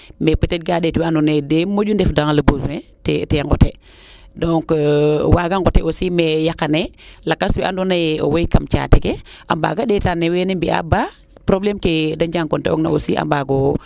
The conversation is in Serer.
mais peut etre ga ndeetoyo we ando naye de moƴu ndef dans les besion de ŋote donc waga ŋote aussi mais yaqane lakas we ando naye owey kam caate ke a mbaaga ndeeta ne weene mbiya baa probleme ke de njekonte oog na tam a mbaago